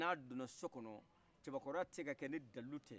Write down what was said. n'a donna sokɔno cɛbakɔrɔya te se ka kɛ ni dalu tɛ